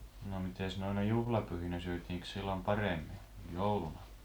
no mitenkäs noina juhlapyhinä syötiinkös silloin paremmin jouluna